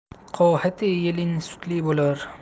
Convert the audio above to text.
qohati yelin sutli bo'lar